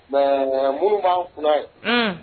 Mais muru ma kunna ye